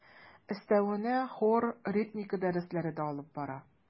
Өстәвенә хор, ритмика дәресләре дә алып бара.